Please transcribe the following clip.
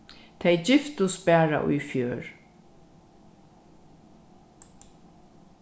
tey giftust bara í fjør